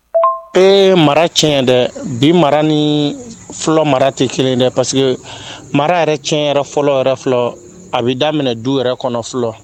Ee mara tiɲɛ ye dɛ, bi mara ni fɔlɔ mara tɛ kelen ye dɛ parce que mara yɛrɛ tiɲɛ fɔlɔ a bɛ daminɛ du yɛrɛ kɔnɔ fɔlɔ.